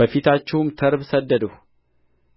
በፊታችሁም ተርብ ሰደድሁ